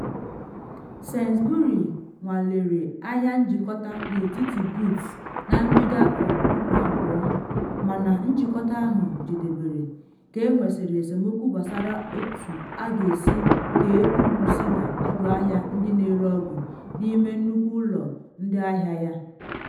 Sainsbury nwalere ahịa njikọta n’etiti Boots na mbido 2000, mana njikọta ahụ jedebere ka enwesịrị esemokwu gbasara otu a ga-esi kee uru si na ọdụ ahịa ndị na ere ọgwụ n’ime nnukwu ụlọ ndị ahịa ya.